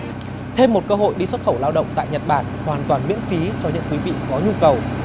thêm một cơ hội đi xuất khẩu lao động tại nhật bản hoàn toàn miễn phí cho những quý vị có nhu cầu